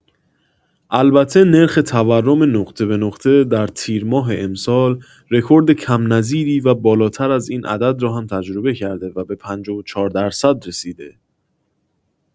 البته نرخ تورم نقطه‌به‌نقطه در تیر ماه امسال رکورد کم نظیری و بالاتر از این عدد را هم تجربه کرده و به ۵۴ درصد رسیده